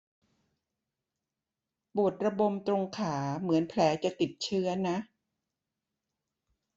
ปวดระบมตรงขาเหมือนแผลจะติดเชื้อนะ